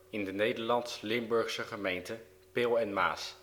in de Nederlands-Limburgse gemeente Peel en Maas